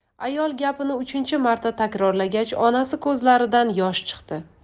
ayol gapini uchinchi marta takrorlagach onasi ko'zlaridan yosh chiqdi